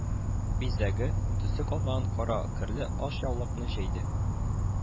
Бизәге, төсе калмаган кара керле ашъяулыкны җәйде